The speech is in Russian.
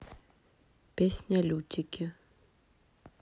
песня лютики